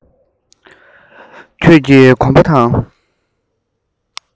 ཁྱོད ཀྱི གོམ པ དང